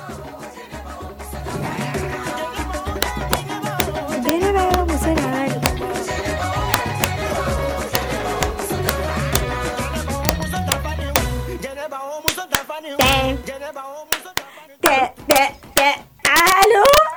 Jeliba ja